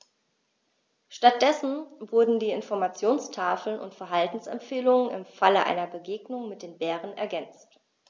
Stattdessen wurden die Informationstafeln um Verhaltensempfehlungen im Falle einer Begegnung mit dem Bären ergänzt.